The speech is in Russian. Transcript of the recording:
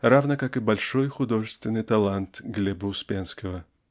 равно как и большой художественный талант Гл. Успенского.